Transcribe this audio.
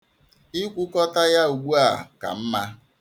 Ikwukọta ya ugbua ka m mma.